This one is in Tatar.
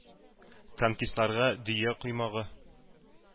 Танкистларга – дөя “коймагы”